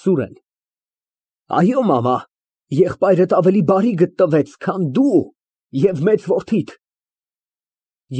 ՍՈՒՐԵՆ ֊ Այո, մամա, եղբայրդ ավելի բարի գտնվեց, քան դու և մեծ որդիդ։